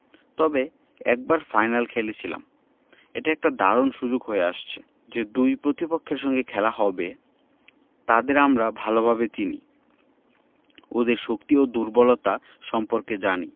তবে একবার ফাইনাল খেলেছিলাম এটা একটা দারুণ সুযোগ হয়ে আসছে যে দুই প্রতিপক্ষের সঙ্গে খেলা হবে তাদের আমরা ভালোভাবে চিনি ওদের শক্তি ও দুর্বলতা সম্পর্কে জানি